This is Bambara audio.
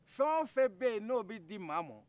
fɛn o fɛn bɛ yen n'o bɛ di maa ma